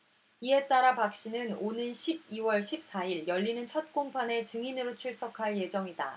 이에 따라 박씨는 오는 십 이 월 십 사 일 열리는 첫 공판에 증인으로 출석할 예정이다